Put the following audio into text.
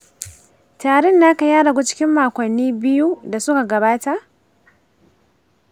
tarin naka ya ragu cikin makonni biyu da suka gabata?